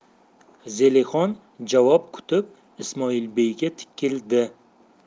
zelixon javob kutib ismoilbeyga tikildi